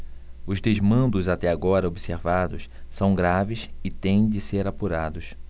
os desmandos até agora observados são graves e têm de ser apurados